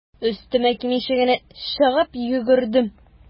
Өстемә кимичә генә чыгып йөгердем.